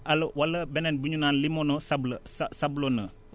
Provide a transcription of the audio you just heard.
wala beneen bi ñu naan limoneux sableu sa sablonneux